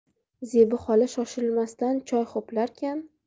zebi xola shoshilmasdan choy ho'plarkan